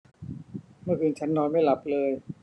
เมื่อคืนฉันนอนไม่หลับเลย